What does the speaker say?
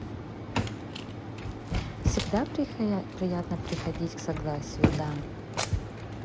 всегда приятно приходить к согласию да